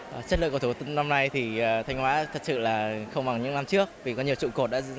à chất lượng cầu năm nay thì thanh hóa thật sự là không bằng những năm trước vì có nhiều trụ cột đã